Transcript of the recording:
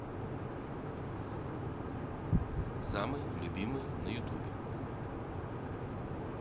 самые любимые на ютубе